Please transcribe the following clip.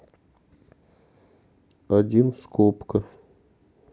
один скобка